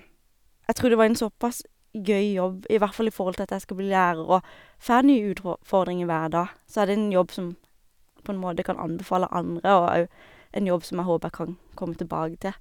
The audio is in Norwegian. Jeg tror det var en såpass gøy jobb, i hvert fall i forhold til at jeg skal bli lærer og får nye utrå fordringer hver dag, så er det en jobb som på en måte kan anbefale andre og òg en jobb som jeg håper jeg kan komme tilbake til.